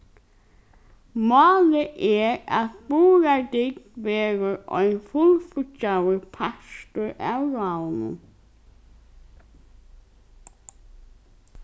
málið er at burðardygd verður ein fullfíggjaður partur av ráðunum